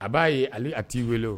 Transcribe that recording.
A b'a ye ale a t'i weele